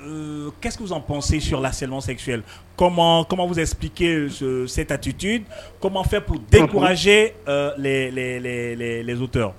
Euh qu'est ce que vous en pensez sur l'harcèlement sexuel comment comment vous expliquez ce cette aptitude comment faire pour décourager euh les les les les auteurs